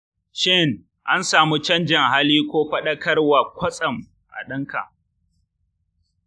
shin an samu canjin hali ko faɗakarwa kwatsam a ɗanka?